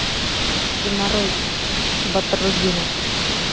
геморрой батрутдинов